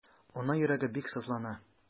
Ана йөрәге бик сызлана.